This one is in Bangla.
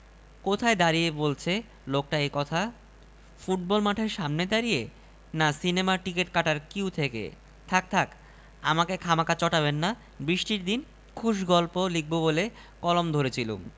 কোথায় দাঁড়িয়ে বলছে লোকটা এ কথা ফুটবল মাঠের সামনে দাঁড়িয়ে না সিনেমার টিকিট কাটার কিউ থেকে থাক্ থাক্ আমাকে খামাখা চটাবেন না বৃষ্টির দিন খুশ গল্প লিখব বলে কলম ধরেছিলুম